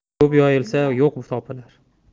ko'p yoyilsa yo'q topilar